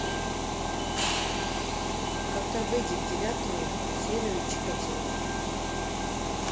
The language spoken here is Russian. когда выйдет девятую серию чикатило